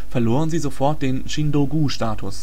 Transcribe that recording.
verloren sie sofort den Chindōgu-Status